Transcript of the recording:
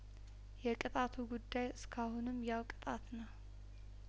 የቅጣቱ ጉዳይ እስካሁንም ያው ቅጣት ነው